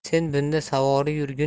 sen bunda savori yurginu